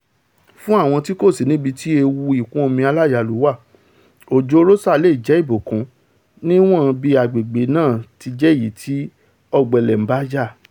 Fún àwọn tí kòsí níbiti ewu ìkún-omi aláyalù wà, òjò Rosa leè jẹ́ ìbùkún níwọ́n bí agbègbè̀̀ náà ti jẹ́ èyití ọ̀gbẹlẹ̀ ńbá jà.